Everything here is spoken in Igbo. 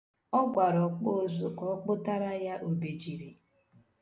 Ọ gwara ọkpụụzụ ka ọ kpụtara ya obejiri.